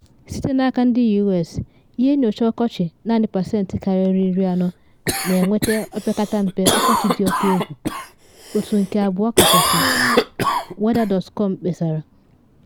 Site n’aka ndị U.S. Ihe Nyocha Ọkọchị, naanị pasentị karịrị 40 na enweta opekata mpe ọkọchị dị oke egwu, otu nke abụọ kachasị,” weather.com kpesara.